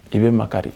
I bɛ ma de